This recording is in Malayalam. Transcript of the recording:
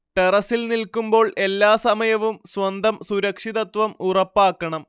ടെറസ്സിൽ നിൽക്കുമ്പോൾ എല്ലാ സമയവും സ്വന്തം സുരക്ഷിതത്വം ഉറപ്പാക്കണം